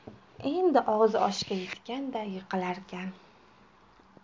endi og'zi oshga yetganda yiqilarkan